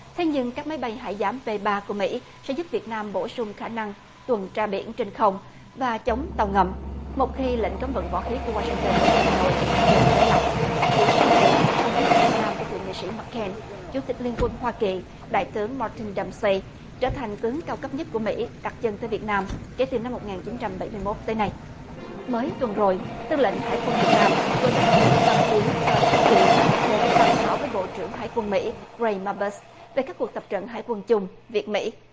thế nhưng các máy bay hải giám pê ba của mỹ sẽ giúp việt nam bổ sung khả năng tuần tra biển trên không và chống tàu ngầm một khi lệnh cấm vận võ khí của wa shinh tơn đối với hà nội được nới lỏng chỉ sáu ngày sau chuyến thăm việt nam của thượng nghị sĩ mặc ken chủ tịch liên quân hoa kỳ đại tướng ma từn đăm xây trở thành tướng cao cấp nhất của mỹ đặt chân tới việt nam kể từ năm một ngàn chín trăm bảy mươi mốt tên nay mới tuần rồi tư lệnh hải quân việt nam đô đốc nguyễn văn hiến tới hoa kỳ để bàn thảo với bộ trưởng hải quân mỹ ray ma bớt về các cuộc tập trận hải quân chung việt mỹ